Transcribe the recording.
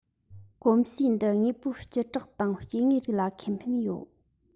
གོམས གཤིས འདི དངོས པོའི བྱེ བྲག དང སྐྱེ དངོས རིགས ལ ཁེ ཕན ཡོད